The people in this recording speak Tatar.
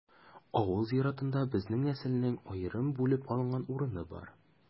Авыл зиратында безнең нәселнең аерым бүлеп алган урыны бар.